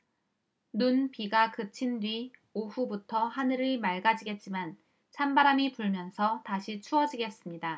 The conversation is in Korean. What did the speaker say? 눈비가 그친 뒤 오후부터 하늘이 맑아지겠지만 찬바람이 불면서 다시 추워지겠습니다